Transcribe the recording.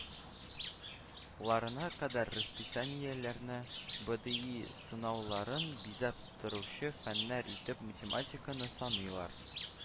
Ларына кадәр расписаниеләрне, бди сынауларын бизәп торучы фәннәр итеп математиканы саныйлар